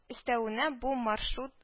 Өстәвенә, бу маршрут